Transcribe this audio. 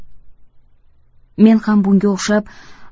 men ham bunga o'xshab